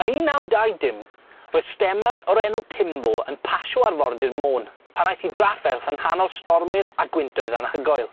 Yn un naw dau dim roedd stemer o'r enw Timbo yn pasio arfordir môn pan aeth i drafferth yng nghanol stormydd a gwyntoedd anhygoel.